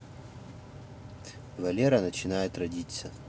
валера начинает родиться